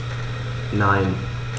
Nein.